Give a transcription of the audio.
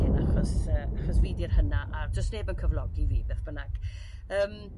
hyn achos yy achos fi 'di'r hynna' a do's neb yn cyflogi fi beth bynnag yym